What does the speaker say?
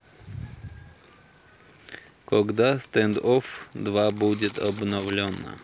когда standoff два будет обновлен